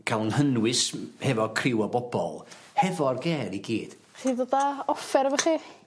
ca'l 'yn nghynnwys m- hefo criw o bobol hefo'r ger i gyd. Chi ddod â offer efo chi?